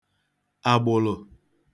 àgbụ̀lụ̀